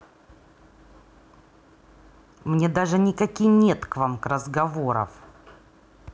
мне даже никаки нет к вам разговоров